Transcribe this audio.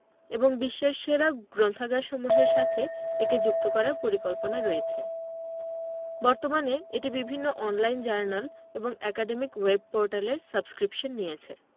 এবং বিশ্বের সেরা গ্রন্থাগারসমূহের সাথে একে যুক্ত করার পরিকল্পনা রয়েছে বর্তমানে এটি বিভিন্ন অন লাইন জার্নাল এবং একাডেমিক ওয়েব পোর্টালের সাবস্ক্রিপশান নিয়েছে